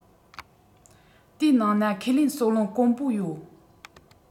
དེའི ནང ན ཁས ལེན གསོ རླུང དཀོན པོ ཡོད